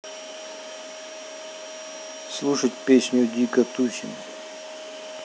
слушать песню дико тусим